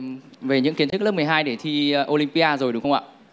về những kiến thức lớp mười hai để thi ô lim pi a rồi đúng không ạ